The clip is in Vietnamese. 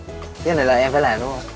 cái này là em phải làm đúng hông